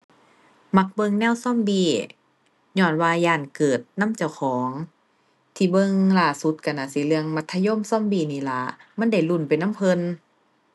มักเบิ่งแนวซอมบี ญ้อนว่าย้านเกิดนำเจ้าของที่เบิ่งล่าสุดก็น่าสิเรื่องมัธยมซอมบีนี่ล่ะ มันได้ลุ้นไปนำเพิ่น